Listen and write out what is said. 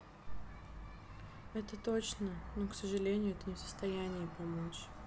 это точно но к сожалению ты не в состоянии помочь